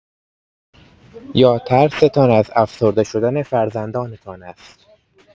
یا ترستان از افسرده‌شدن فرزندانتان است؟